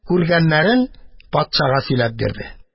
Күргәннәрен патшага сөйләп бирде.